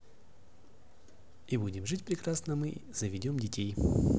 и будем жить прекрасно мы заведем детей